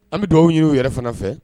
An bɛ dugaw y u yɛrɛ fana fɛ